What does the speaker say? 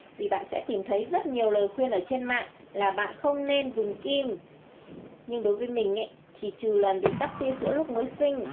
vì bạn sẽ tìm thấy rất nhiều lời khuyên ở trên mạng là bạn không nên dùng kim nhưng đối với mình thì trừ lần bị tắc sữa lúc mới sinh